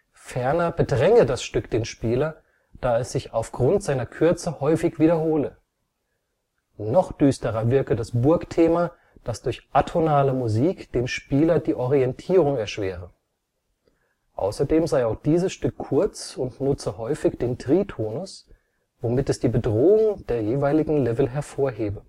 Ferner bedränge das Stück den Spieler, da es sich aufgrund seiner Kürze häufig wiederhole. Noch düsterer wirke das Burg-Thema, das durch atonale Musik dem Spieler die Orientierung erschwere. Außerdem sei auch dieses Stück kurz und nutze häufig den Tritonus, womit es die Bedrohung der jeweiligen Level hervorhebe